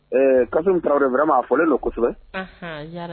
Ɛɛ ka tarawele wɛrɛ ma a fɔlen don kosɛbɛ